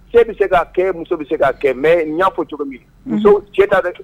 Cɛ bɛ se k'a kɛ muso bɛ se k'a kɛ mais n y'a fɔ fɔ cogo min, unhun, Musow cɛ